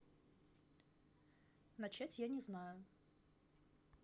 начать я не знаю